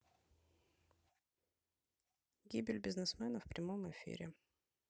гибель бизнесмена в прямом эфире